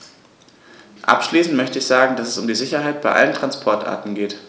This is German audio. Abschließend möchte ich sagen, dass es um die Sicherheit bei allen Transportarten geht.